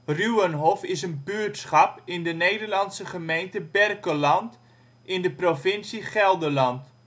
Ruwenhof is een buurtschap in de Nederlandse gemeente Berkelland in de provincie Gelderland